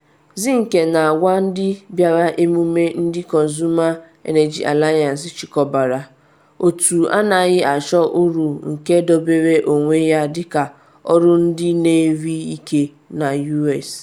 Zinke na-agwa ndị bịara emume ndị Consumer Energy Alliance chịkọbara, otu anaghị achọ uru nke dobere onwe ya dịka “olu ndị na-eri ike” na US.